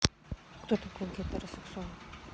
кто такой гетеросексуал